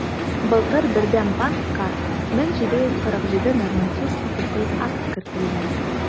Былтыр Бердәм банкка 1747 норматив хокукый акт кертелгән.